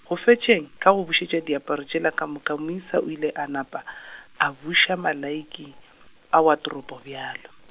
go fetšeng, ka go bušetša diaparo tšela ka moka moisa o ile a napa , a buša malaiki, a watropo bjalo.